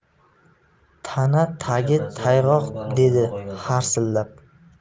tana tagi tayg'oq dedi harsillab